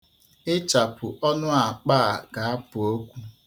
Ịchapu ọnụ akpa a ga-apụ okwu.